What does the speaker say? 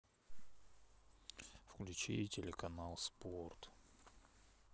включи телеканал спорт